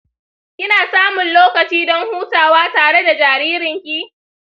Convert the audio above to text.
kina samun lokaci don hutawa tare da jaririnki?